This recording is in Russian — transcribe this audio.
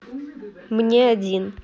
мне один